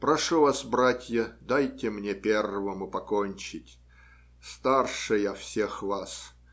Прошу вас, братья, дайте мне первому покончить. Старше я всех вас